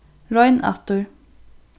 royn aftur